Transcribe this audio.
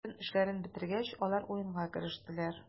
Бөтен эшләрен бетергәч, алар уенга керештеләр.